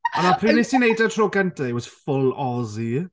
A na pryd wnest ti wneud e'r tro gyntaf it was full Aussie.